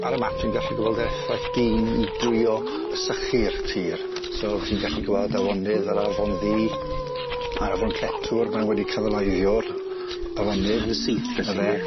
Ar y map dwi'n gallu gweld yr effaith dyn i drio sychu'r tir so fy' ti'n gallu gweld afonydd fel yr Afon Ddu a'r Afon Cletwr maen nhw wedi cyfaleiddio'r afonydd. Neud nw'n syth felly